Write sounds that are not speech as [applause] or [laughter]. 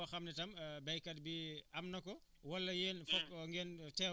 mais dafa am beneen xeex boo xam ne tam [hesitation] béykat bi [hesitation] am na ko wala yéen